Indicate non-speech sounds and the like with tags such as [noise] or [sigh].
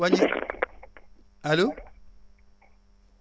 wàññi [noise] allo